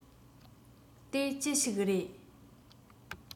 དེ ཅི ཞིག རེད